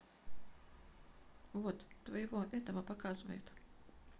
вот твоего этого показывают